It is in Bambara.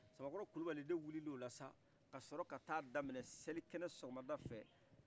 sabakɔrɔ kulibali de wulila ola sa ka sɔrɔ ka taa daminɛ salikɛnɛsɔgɔmanda fɛ